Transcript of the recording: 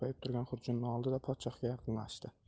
do'mpayib turgan xurjunni oldi da podshohga yaqinlashdi